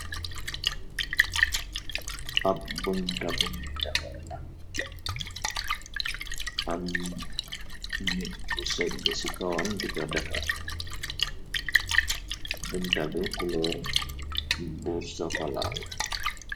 Ab buntabuñuy defar la am nit bu segge ci kawam diko defar buntabi kuloor bu sokolaal.